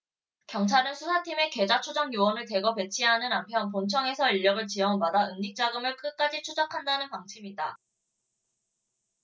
경찰은 수사팀에 계좌추적 요원을 대거 배치하는 한편 본청에서 인력을 지원받아 은닉 자금을 끝까지 추적한다는 방침이다